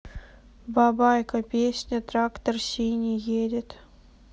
бабайка песня трактор синий едет